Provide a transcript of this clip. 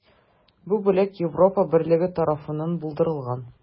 Бу бүләк Европа берлеге тарафыннан булдырылган.